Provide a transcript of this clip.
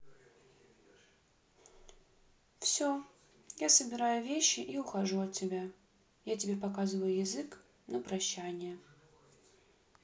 все я себя собираю вещи и ухожу от тебя я тебе показываю язык на прощание